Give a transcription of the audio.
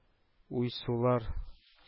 Уйсулар